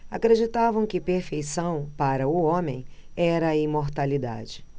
acreditavam que perfeição para o homem era a imortalidade